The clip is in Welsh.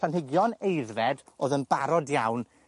planhigion aeddfed o'dd yn barod iawn